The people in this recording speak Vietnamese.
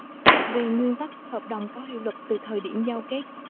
về nguyên tắc hợp đồng có hiệu lực từ thời điểm giao kết